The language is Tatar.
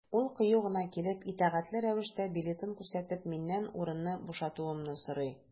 Ул кыю гына килеп, итәгатьле рәвештә билетын күрсәтеп, миннән урынны бушатуымны сорый.